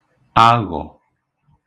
aghọ̀